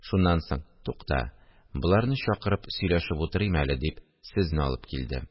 Шуннан соң, тукта, боларны чакырып сөйләшеп утырыйм әле дип, сезне алып килдем